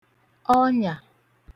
ọnyà